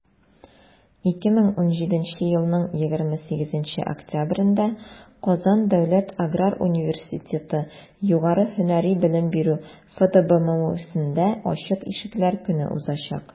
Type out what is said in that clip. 2017 елның 28 октябрендә «казан дәүләт аграр университеты» югары һөнәри белем бирү фдбмусендә ачык ишекләр көне узачак.